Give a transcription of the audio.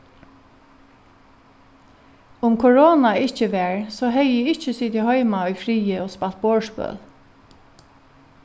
um korona ikki var so hevði eg ikki sitið heima í friði og spælt borðspøl